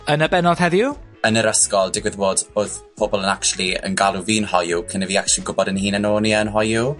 Yn y bennodd heddiw: Yn yr ysgol, digwydd bod, odd pobl yn actually yn galw fi'n hoyw cyn i fi actually gwbod 'yn hunan o'n i, yn hoyw.